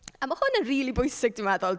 A ma' hwn yn rili bwysig, dwi'n meddwl.